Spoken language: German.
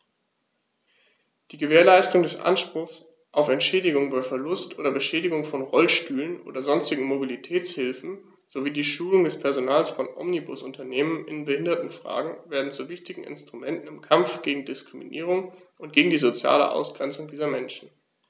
Die Gewährleistung des Anspruchs auf Entschädigung bei Verlust oder Beschädigung von Rollstühlen oder sonstigen Mobilitätshilfen sowie die Schulung des Personals von Omnibusunternehmen in Behindertenfragen werden zu wichtigen Instrumenten im Kampf gegen Diskriminierung und gegen die soziale Ausgrenzung dieser Menschen.